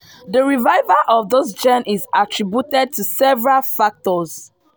This revival of the genre is attributed to several factors.